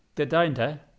Deuda un te.